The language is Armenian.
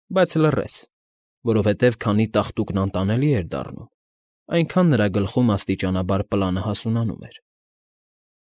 Բայց լռեց, որովհետև քանի տաղտուկն անտանելի էր դառնում, այնքան նրա գլխում աստիճանաբար պլանը հասունանում էր։